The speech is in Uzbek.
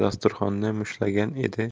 dasturxonni mushtlagan edi